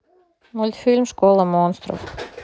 мультфильм школа монстров